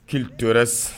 Qu'il te reste